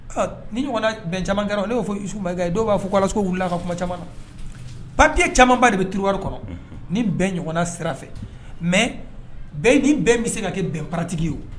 Ni bɛn caman kɛra ne b'o fɔissu makɛ yen dɔw b'a fɔ koso wili ka kuma caman na bapi camanba de bɛ tiwari kɔnɔ ni bɛn ɲɔgɔnna sira fɛ mɛ ni bɛn bɛ se ka kɛ bɛn paratigi ye